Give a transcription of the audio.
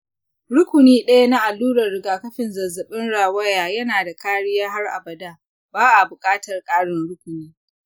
rukuni ɗaya na allurar rigakafin zazzabin rawaya yana ba da kariya har abada. ba a buƙatar ƙarin rukuni.